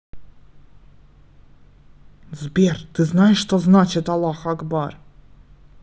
сбер ты знаешь что значит аллах акбар